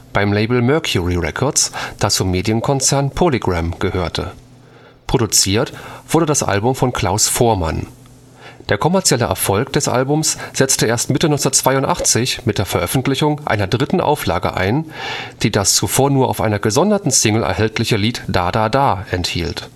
beim Label Mercury Records, das zum Medienkonzern PolyGram gehörte. Produziert wurde das Album von Klaus Voormann. Der kommerzielle Erfolg des Albums setzte erst Mitte 1982 mit Veröffentlichung seiner dritten Auflage ein, die das zuvor nur auf einer gesonderten Single erhältliche Lied Da Da Da enthielt